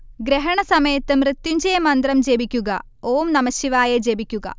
ഗ്രഹണ സമയത്ത് മൃത്യുഞ്ജയ മന്ത്രം ജപിക്കുക, ഓം നമഃശിവായ ജപിക്കുക